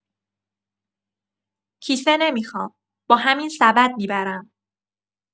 کیسه نمی‌خوام، با همین سبد می‌برم.